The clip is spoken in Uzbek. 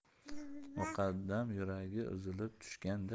muqaddam yuragi uzilib tushganday